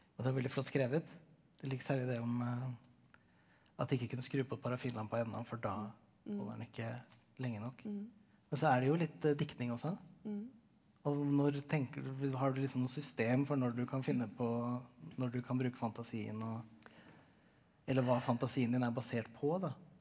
og det er veldig flott skrevet jeg liker særlig det om at de ikke kunne skru på parafinlampen ennå for da holder den ikke lenge nok, men så er det jo litt diktning også og når tenker du har du liksom noe system for når du kan finne på når du kan bruke fantasien og eller hva fantasien din er basert på da?